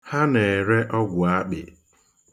Ha na-ere ọgwụ akpị.